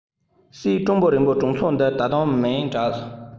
གསེས ཀྲོང པའི རི མོ བ གྲོང ཚོ འདི ད ལྟ མིང གྲགས སོང